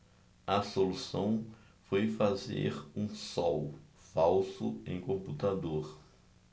a solução foi fazer um sol falso em computador